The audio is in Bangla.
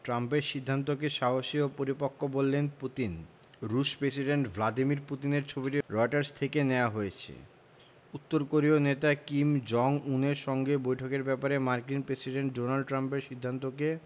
ট্রাম্পের সিদ্ধান্তকে সাহসী ও পরিপক্ব বললেন পুতিন রুশ প্রেসিডেন্ট ভ্লাদিমির পুতিনের ছবিটি রয়টার্স থেকে নেয়া হয়েছে উত্তর কোরীয় নেতা কিম জং উনের সঙ্গে বৈঠকের ব্যাপারে মার্কিন প্রেসিডেন্ট ডোনাল্ড ট্রাম্পের সিদ্ধান্তকে